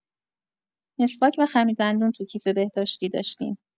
مسواک و خمیردندون تو کیف بهداشتی داشتیم.